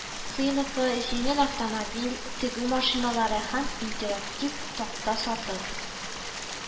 Сыйныфы, җиңел автомобиль, тегү машиналары һәм интерактив такта сатып